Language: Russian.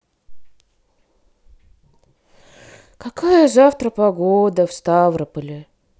какая завтра погода в ставрополе